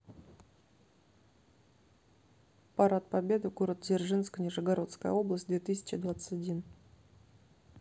парад победы город дзержинск нижегородская область две тысячи двадцать один